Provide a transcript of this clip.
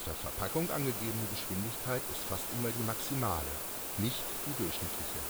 Verpackung angegebene Geschwindigkeit ist fast immer die maximale, nicht die durchschnittliche